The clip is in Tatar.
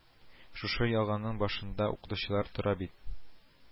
Шушы ялганның башында укытучылар тора бит